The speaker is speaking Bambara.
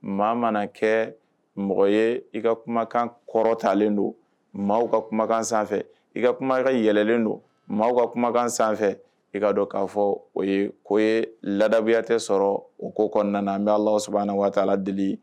Maa mana kɛ mɔgɔ ye i ka kumakan kɔrɔtaalen don mɔgɔw ka kumakan sanfɛ i ka kuma ka yɛlɛlen don mɔgɔw ka kumakan sanfɛ i ka dɔn k'a fɔ o ye koo ye ladabuyatɛ sɔrɔ o ko kɔnɔna n b'a la sabanan waatala deli